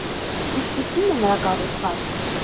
Ինչպիսի՞ն է նրա կառուցվածքը։